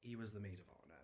He was the maid of honour.